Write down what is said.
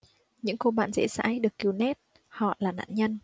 những cô bạn dễ dãi được cứu net họ là nạn nhân